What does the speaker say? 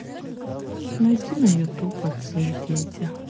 найди на ютуб отцы и дети